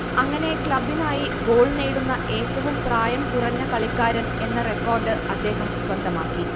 അങ്ങനെ ക്ലബ്ബിനായി ഗോൾ നേടുന്ന ഏറ്റവും പ്രായം കുറഞ്ഞ കളിക്കാരൻ എന്ന റെക്കോർഡ് അദ്ദേഹം സ്വന്തമാക്കി